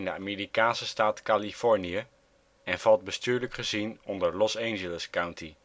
Amerikaanse staat Californië, en valt bestuurlijk gezien onder Los Angeles County